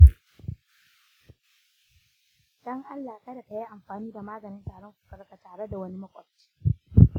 don allah kada ka yi amfani da maganin tarin fukarka tare da wani maƙwabci